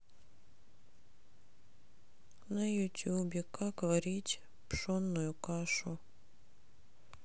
на ютубе как варить пшенную кашу